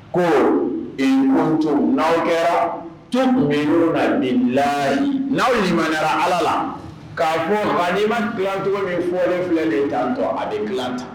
ni aw limaniyala Ala la . Ka fɔ nɛma gilan cogo min fɔlen filɛ nin ye tan tɔ a